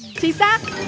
chính xác